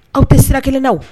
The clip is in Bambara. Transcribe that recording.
Aw tɛ sira kelen na